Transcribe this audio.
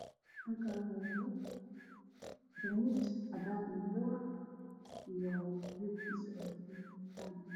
Halkani wax yaalo rimood midabkiisu yahay cadaan iyo madow